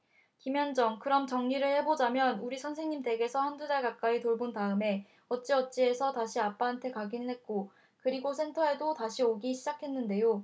김현정 그럼 정리를 해 보자면 우리 선생님 댁에서 한 두 달 가까이 돌본 다음에 어쩌어찌해서 다시 아빠한테 가기는 했고 그리고 센터에도 다시 오기 시작했는데요